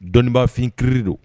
Dɔnniibaafin kiiriri don